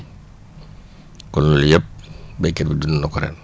kon loolu yëpp béykat bi dund na ko ren